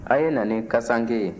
a' ye na ni kasanke ye